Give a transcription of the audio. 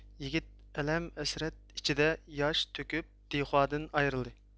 يىگىت ئەلەم ھەسرەت ئىچىدە ياش تۆكۈپ دىخوادىن ئايرىلدى